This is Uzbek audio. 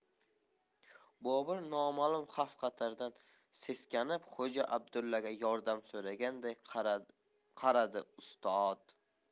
bobur nomalum xavf xatardan seskanib xo'ja abdullaga yordam so'raganday qaradi ustod